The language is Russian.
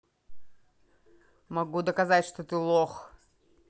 могу доказать что ты лох